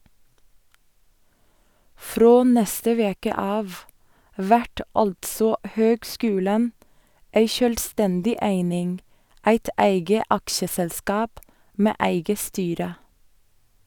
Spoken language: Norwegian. Frå neste veke av vert altså høgskulen ei sjølvstendig eining, eit eige aksjeselskap med eige styre.